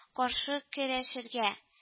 Каршы көрәшергә